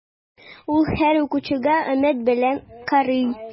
Ул һәр укучыга өмет белән карый.